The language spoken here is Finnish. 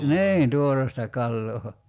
niin tuoretta kalaa